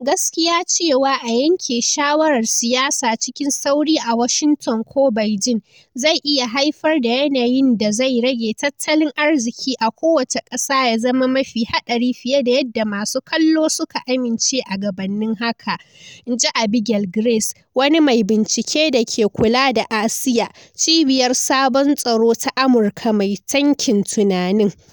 "Gaskiya cewa a yanke shawarar siyasa cikin sauri a Washington ko Beijing zai iya haifar da yanayin da zai rage tattalin arziki a kowace kasa ya zama mafi haɗari fiye da yadda masu kallo suka amince a gabanin haka," in ji Abigail Grace, wani mai bincike da ke kula da Asiya. Cibiyar Sabon Tsaro ta Amurka, mai tankin tunanin.